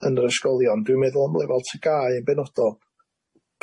yn yr ysgolion dwi'n meddwl am lefel tygau yn benodol